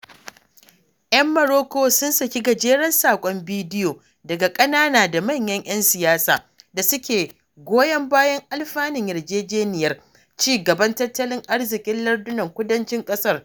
Yan Marocco sun saki gajeran saƙon bidiyo daga ƙanana da manyan 'yan siyasa da suke goyon bayan alfanun yarjejeniyar ci-gaban tattalin arzikin ''lardunan kudancin'' ƙasar.